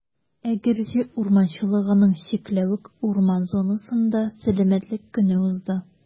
Әгерҗе урманчылыгының «Чикләвек» урман зонасында Сәламәтлек көне узды.